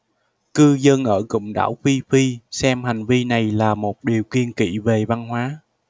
cư dân ở cụm đảo phi phi xem hành vi này là một điều kiêng kỵ về văn hóa